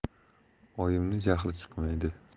oyimni jahli chiqmaydi